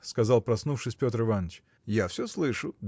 – сказал, проснувшись, Петр Иваныч, – я всё слышу